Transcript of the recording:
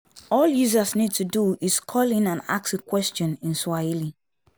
All users need to do is call in and ask a question in Swahili.